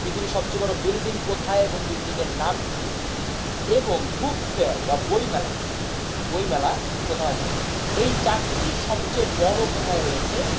পৃথিবীর সবচেয়ে বড় বিল্ডিং কোথায় এবং বিল্ডিং এর নাম কি এবং বুক ফেয়ার বা বই মেলা বই মেলা কোথায় হয় এ চারটি সবচেয়ে বড় কোথায় রয়েছে